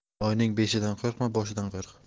oyning beshidan qo'rqma boshidan qo'rq